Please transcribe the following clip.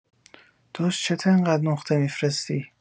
داش چته اینقد نقطه می‌فرستی؟